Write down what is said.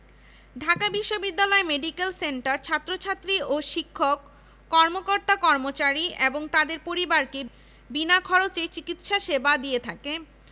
পড়ালেখার পাশাপাশি খেলাধুলার উৎকর্ষ সাধন এবং শরীরচর্চার মাধ্যমে সুস্থ সবল জনগোষ্ঠী সৃষ্টির লক্ষ্যে ছাত্র ছাত্রীদের খেলাধুলা